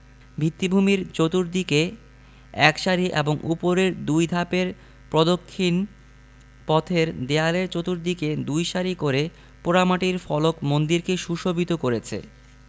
ভিত্তিভূমির চতুর্দিকে এক সারি এবং উপরের দুই ধাপের প্রদক্ষিণ পথের দেয়ালের চতুর্দিকে দুই সারি করে পোড়ামাটির ফলক মন্দিরকে সুশোভিত করেছে